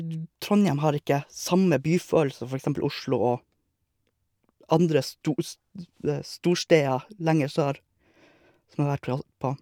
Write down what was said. Trondhjem har ikke samme byfølelse som for eksempel Oslo og andre stos storsteder lenger sør som jeg har vært all på.